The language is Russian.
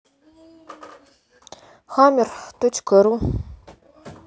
hammer точка ру